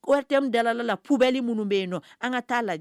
Waritɛ dalala la pubɛnli minnu bɛ yen an ka t'a lajɛ